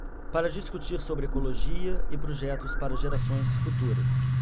para discutir sobre ecologia e projetos para gerações futuras